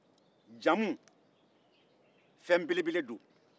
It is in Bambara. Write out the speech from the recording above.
jamu fɛn belebele don